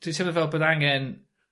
Dwi'n teimlo fel bod angen